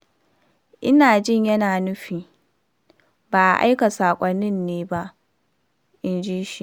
“Ina jin yana nufi ba a aika sakonni ne ba,” inji shi.